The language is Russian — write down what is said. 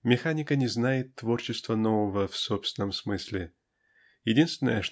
Механика не знает творчества нового в собственном смысле. Единственное